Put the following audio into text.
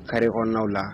Kari hɔn aw la